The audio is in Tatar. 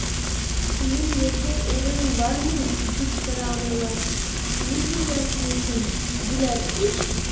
Синнән яшәр урының бармы, дип сорамыйлар, нигә язмыйсың, диләр ич!